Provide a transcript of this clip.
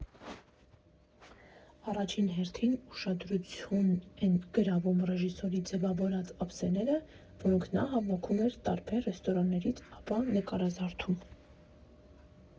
Առաջին հերթին ուշադրություն են գրավում ռեժիսորի ձևավորած ափսեները, որոնք նա հավաքում էր տարբեր ռեստորաններից, ապա նկարազարդում։